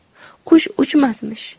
qush uchmasmish